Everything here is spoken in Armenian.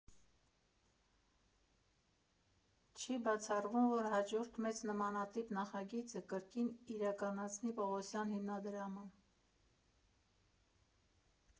Չի բացառվում, որ հաջորդ մեծ նմանատիպ նախագիծը կրկին իրականացնի Պողոսյան հիմնադրամը.